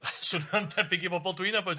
Swnio'n debyg i bobol dwi'n nabod...